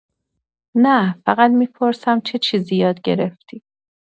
نه، فقط می‌پرسم چه چیزی یاد گرفتی.